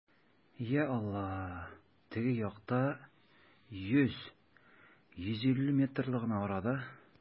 Йа Аллаһ, теге якта, йөз, йөз илле метрлы гына арада!